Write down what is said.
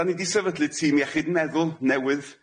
'Dan ni 'di sefydlu tîm iechyd meddwl newydd.